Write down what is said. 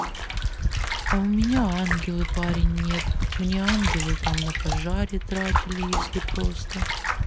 а у меня ангелы парень нет мне ангелы там на пожаре тратили если просто